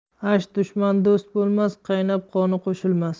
ash dushman do'st bo'lmas qaynab qoni qo'shilmas